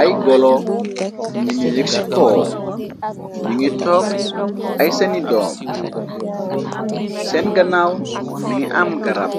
Ay golo ni ngi yëg ci coow ni ngi toog ay sani doom seen ganaw mi ngi am garab